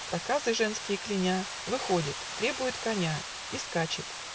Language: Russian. Проказы женские кляня, Выходит, требует коня И скачет.